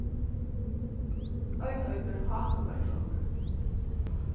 ein eitur hákunardrongur